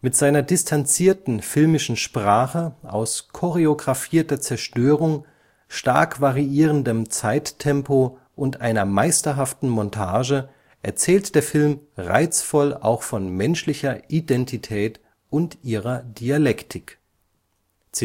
Mit seiner distanzierten filmischen Sprache aus choreografierter Zerstörung, stark variierendem Zeittempo und einer meisterhaften Montage erzählt der Film reizvoll auch von menschlicher Identität und ihrer Dialektik. “– Lexikon des Internationalen